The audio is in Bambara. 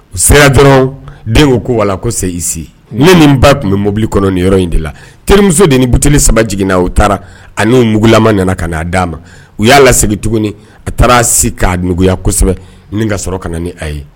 U sera dɔrɔn den o ko wala ko se ise ne nin ba tun bɛ mobili kɔnɔ nin yɔrɔ in de la terimuso de ni butieli saba jiginna u taara ani muguugulama nana ka n'a d'a ma u y'a lasegin tuguni a taara se k'auguya kosɛbɛ ni ka sɔrɔ ka ni a ye